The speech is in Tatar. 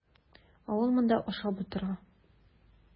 Ә ул монда ашап утыра.